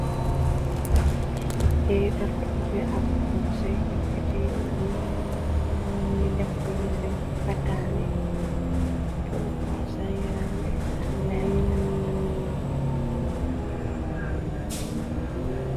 de dotore ak fonsey new bo tejal je def na nisen pokatani fobxo sayram be tangayo nekal anan